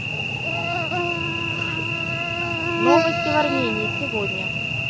новости в армении сегодня